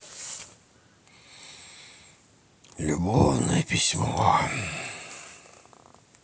любовное письмо